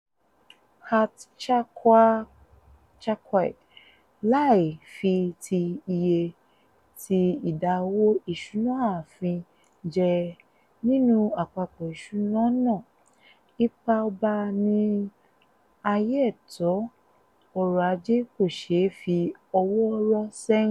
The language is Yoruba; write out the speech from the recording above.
@charquaouia: Láì fi ti iye tí ìdá owó ìṣúná ààfin jẹ́ nínú àpapọ̀ ìṣúná náà, ipa ọba ní àyè ètò ọrọ̀-ajé kò ṣe é fi ọwọ́ rọ́ sẹ́yìn.